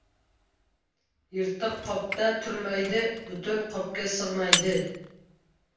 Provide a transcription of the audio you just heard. yirtiq qopda turmaydi butun qopga sig'maydi